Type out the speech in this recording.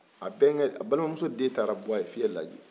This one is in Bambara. a balimamuso den taara bɔ a ye fiyɛ laji